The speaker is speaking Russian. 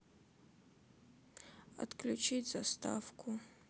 отключить заставку